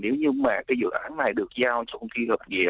nếu như mà cái dự án này được giao cho công ty hợp nghĩa